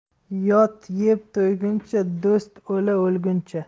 yot yeb to'yguncha do'st o'la o'lguncha